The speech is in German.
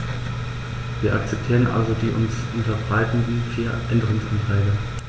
Wir akzeptieren also die uns unterbreiteten vier Änderungsanträge.